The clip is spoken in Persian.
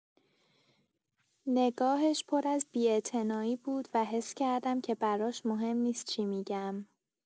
نگاهش پر از بی‌اعتنایی بود و حس کردم که براش مهم نیست چی می‌گم.